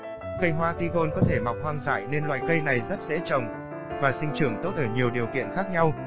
cây hoa tigon có thể mọc hoang dại nên loài cây này rất dễ trồng và sinh trưởng tốt ở nhiều điều kiện khác nhau